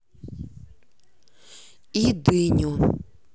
и дыню